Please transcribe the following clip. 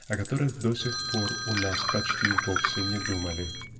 о которых до сих пор у нас почти вовсе не думали .*